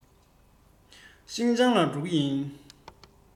ཤིན ཅང ལ འགྲོ མཁན ཡིན